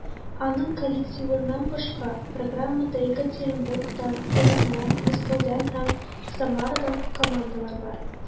Аның коллективыннан башка, программада Екатеринбургтан, Казаннан, Мәскәүдән һәм Самарадан командалар бар.